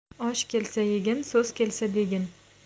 osh kelsa yegin so'z kelsa degin